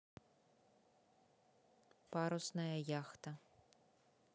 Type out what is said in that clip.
парусная яхта